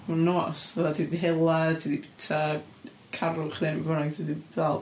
yn y nos. Fatha ti 'di hela, ti 'di bwyta carw chdi neu be bynnag ti 'di ddal.